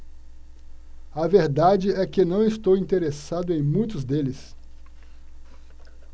a verdade é que não estou interessado em muitos deles